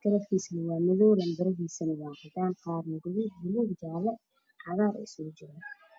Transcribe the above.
kalarkisa wa madow lambarihisana waa cadaan qaar baluug cagar jaale